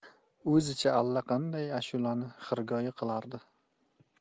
o'zicha allaqanday ashulani xirgoyi qilardi